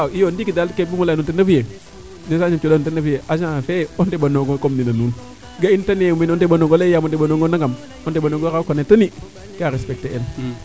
iyo ndiiki daal ke bugma laya nuun ten refu yee message le im cooxa nuun ten refu yee agent fee a deɓanongo comme nena nuun ga im yaam o ndeɓaonga nangam o ndeɓanonga nga rok wa anga tenue kaa respecter el